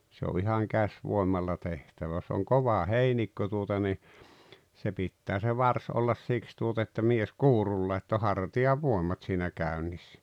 se on ihan käsivoimalla tehtävä jos on kova heinikko tuota niin se pitää se varsi olla siksi tuota että mies kuurulla että on hartiavoimat siinä käynnissä